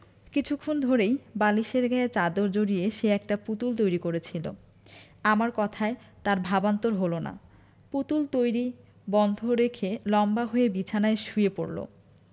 কিছুক্ষণ ধরেই বালিশের গায়ে চাদর জড়িয়ে সে একটা পুতুল তৈরি করেছিলো আমার কথায় তার ভাবান্তর হলো না পুতুল তৈরী বন্ধ রেখে লম্বা হয়ে বিছানায় শুয়ে পড়লো